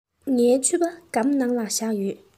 ངའི ཕྱུ པ སྒམ ནང ལ བཞག ཡོད